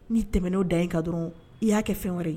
N'i tɛmɛnen o dan in ka dɔrɔn i y'a kɛ fɛn wɛrɛ ye.